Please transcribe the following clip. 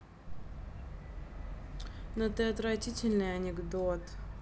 но ты отвратительный анекдот